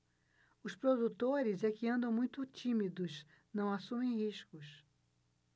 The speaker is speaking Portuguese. os produtores é que andam muito tímidos não assumem riscos